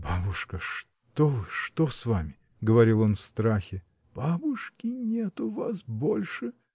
— Бабушка, что вы, что с вами? — говорил он в страхе. — Бабушки нет у вас больше.